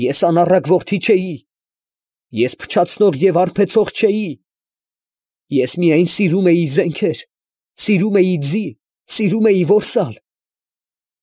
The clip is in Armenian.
Ես անառակ որդի չէի, ես փչացնող և արբեցող չէի, ես միայն սիրում էի զենքեր, սիրում էի ձի, սիրում էի որսալ։